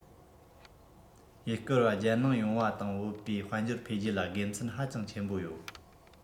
ཡུལ སྐོར བ རྒྱལ ནང ཡོང བ དང བུད པས དཔལ འབྱོར འཕེལ རྒྱས ལ དགེ མཚན ཧ ཅང ཆེན པོ ཡོད